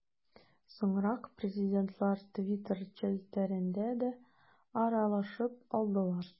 Соңрак президентлар Twitter челтәрендә дә аралашып алдылар.